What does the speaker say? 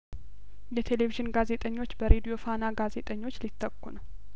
የቴሌቪዥን ጋዜጠኞች በሬዲዮ ፋና ጋዜጠኞች ሊተኩ ነው